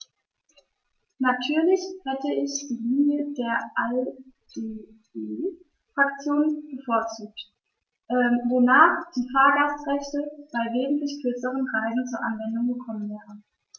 Natürlich hätte ich die Linie der ALDE-Fraktion bevorzugt, wonach die Fahrgastrechte bei wesentlich kürzeren Reisen zur Anwendung gekommen wären.